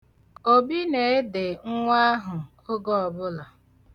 Obi na-ede nwa ahụ oge ọbụla.